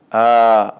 Aa